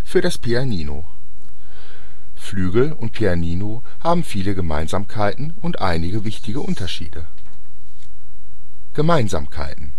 für das Pianino. Flügel und Pianino haben viele Gemeinsamkeiten und einige wichtige Unterschiede. Gemeinsamkeiten